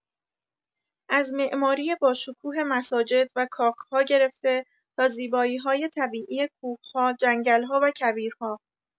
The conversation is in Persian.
از معماری باشکوه مساجد و کاخ‌ها گرفته تا زیبایی‌های طبیعی کوه‌ها، جنگل‌ها و کویرها